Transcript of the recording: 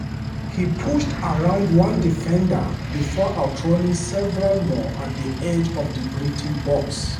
He pushed around one defender before outrunning several more at the edge of the Brighton box.